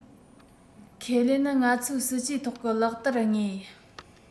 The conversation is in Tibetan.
ཁས ལེན ནི ང ཚོའི སྲིད ཇུས ཐོག གི ལག བསྟར ངོས